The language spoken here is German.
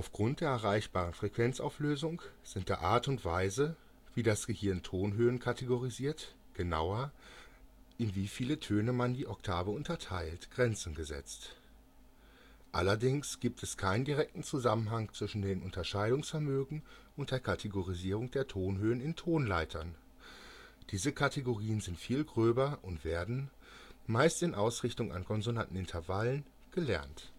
Aufgrund der erreichbaren Frequenzauflösung sind der Art und Weise, wie das Gehirn Tonhöhen kategorisiert, genauer, in wie viele Töne man die Oktave unterteilt, Grenzen gesetzt. Allerdings gibt es keinen direkten Zusammenhang zwischen dem Unterscheidungsvermögen und der Kategorisierung der Tonhöhen in Tonleitern - diese Kategorien sind viel gröber und werden, meist in Ausrichtung an konsonanten Intervallen, gelernt